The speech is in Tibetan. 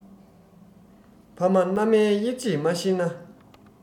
ཕ མ མནའ མའི དབྱེ འབྱེད མ ཤེས ན